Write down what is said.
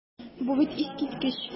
Бу бит искиткеч!